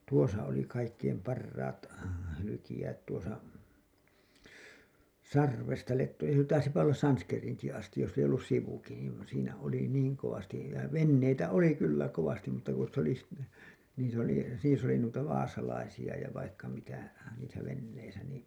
tuossa oli kaikkein parhaat hyljejäät tuossa Sarvesta Lettoihin taisipa olla Sanskeriinkin asti jos ei ollut sivukin niin siinä oli niin kovasti ja veneitä oli kyllä kovasti mutta kun sitten oli - niissä oli niissä oli noita vaasalaisia ja vaikka mitä niissä veneissä niin